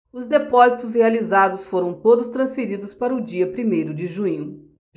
os depósitos realizados foram todos transferidos para o dia primeiro de junho